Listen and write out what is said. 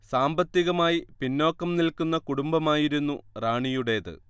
സാമ്പത്തികമായി പിന്നോക്കം നിൽക്കുന്ന കുടുംബമായിരുന്നു റാണിയുടേത്